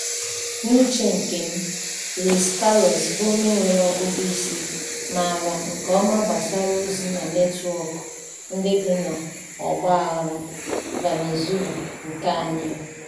N'uche nke m, Luis Carlos bụ onye nwere ọgụgụ isi, maara nke ọma gbasara ozi na netwọkụ ndị dị n'ọgba aghara Venezuela nke anyị a.